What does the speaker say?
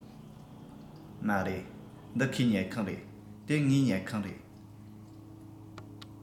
མ རེད འདི ཁོའི ཉལ ཁང རེད དེ ངའི ཉལ ཁང རེད